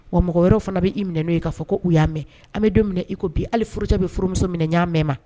Wa mɔgɔ wɛrɛw fana bɛ i minɛ n'o ye k'a fɔ ko u y'a mɛ an bɛ don mina i ko bi hali furucɛ be furumuso minɛ ɲa mɛ ma